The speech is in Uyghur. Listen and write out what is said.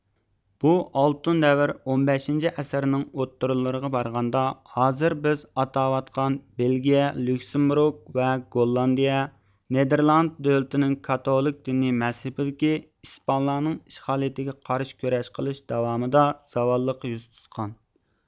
بۇ ئالتۇن دەۋر ئون بەشىنچى ئەسىرنىڭ ئوتتۇرىلىرىغا بارغاندا ھازىر بىز ئاتاۋاتقان بېلگىيە ليۇكسېمبۇرگ ۋە گوللاندىيە نېدېرلاند دۆلىتىنىڭ كاتولىك دىنىي مەزھىپىدىكى ئىسپانلارنىڭ ئىشغالىيىتىگە قارشى كۈرەش قىلىش داۋامىدا زاۋاللىققا يۈز تۇتقان